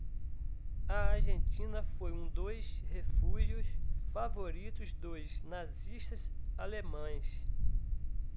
a argentina foi um dos refúgios favoritos dos nazistas alemães